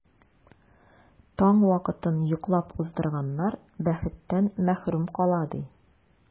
Таң вакытын йоклап уздырганнар бәхеттән мәхрүм кала, ди.